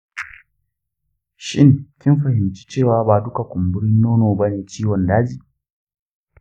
shin kin fahimci cewa ba duka kumburin nono bane ciwon daji?